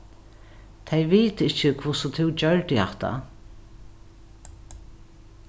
tey vita ikki hvussu tú gjørdi hatta